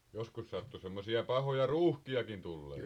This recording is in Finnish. joskus sattui semmoisia pahoja ruuhkiakin tulemaan